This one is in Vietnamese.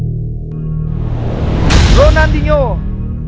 rô nan đi nhô